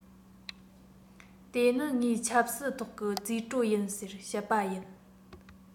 དེ ནི ངའི ཆབ སྲིད ཐོག གི རྩིས སྤྲོད ཡིན ཟེར བཤད པ ཡིན